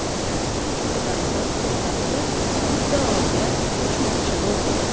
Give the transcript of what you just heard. zelixon choydan bir ho'pladi da muddaoga ko'chmoqchi bo'ldi